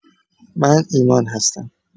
من ایمان هستم.